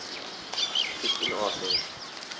Ist in Ordnung.